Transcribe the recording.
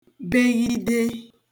beghide